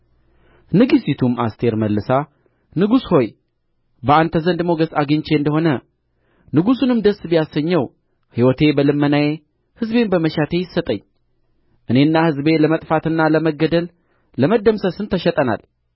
ንግሥቲቱም አስቴር መልሳ ንጉሥ ሆይ በአንተ ዘንድ ሞገስ አግኝቼ እንደ ሆነ ንጉሡንም ደስ ቢያሰኘው ሕይወቴ በልመናዬ ሕዝቤም በመሻቴ ይሰጠኝ እኔና ሕዝቤ ለመጥፋትና ለመገደል ለመደምሰስም ተሸጠናልና